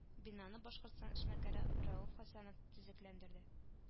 Бинаны башкортстан эшмәкәре рәүф хәсәнов төзекләндерде